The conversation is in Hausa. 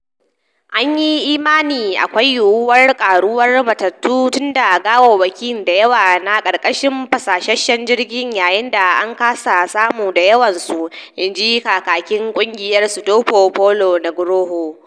"An yi imani akwai yiwuwar karuwar matattun tunda gawawwaki da yawa na karkashin fasashshen jirgin yayin da an kasa samun da yawan su," in ji kakakin kungiyar Sutopo Purwo Nugroho.